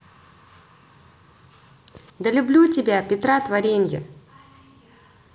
да люблю тебя петра творенье